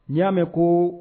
N'i y'a mɛn ko